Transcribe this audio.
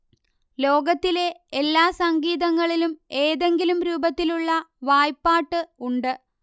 ലോകത്തിലെ എല്ലാ സംഗീതങ്ങളിലും ഏതെങ്കിലും രൂപത്തിലുള്ള വായ്പ്പാട്ട് ഉണ്ട്